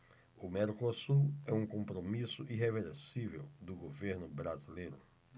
o mercosul é um compromisso irreversível do governo brasileiro